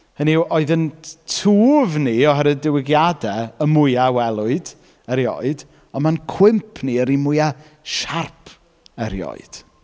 Hynny yw, oedd ein t- twf ni oherwydd y diwygiadau y mwya a welwyd erioed, ond mae'n cwymp ni yr un mwya siarp erioed.